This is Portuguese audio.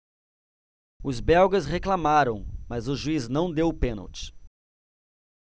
os belgas reclamaram mas o juiz não deu o pênalti